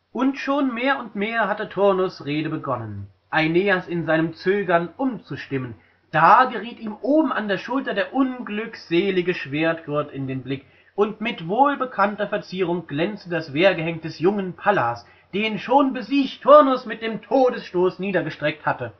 Und schon mehr und mehr hatte Turnus’ Rede begonnen, Aeneas in seinem Zögern umzustimmen, da geriet ihm oben an der Schulter der unglückselige Schwertgurt in den Blick, und mit wohlbekannter Verzierung glänzte das Wehrgehenk des jungen Pallas, den, schon besiegt, Turnus mit dem Todesstoß niedergestreckt hatte